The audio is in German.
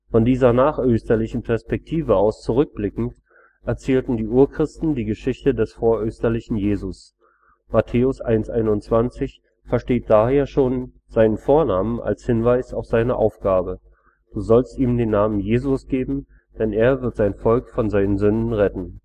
Von dieser nachösterlichen Perspektive aus zurückblickend erzählten die Urchristen die Geschichte des vorösterlichen Jesus. Mt 1,21 EU versteht daher schon seinen Vornamen als Hinweis auf seine Aufgabe: „ Du sollst ihm den Namen Jesus geben; denn er wird sein Volk von seinen Sünden retten